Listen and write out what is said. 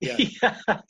Ia. Ia.